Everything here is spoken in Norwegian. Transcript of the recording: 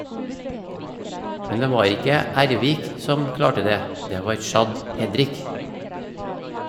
Men det var ikke Ervik som klarte det , det var Chad Hedrick.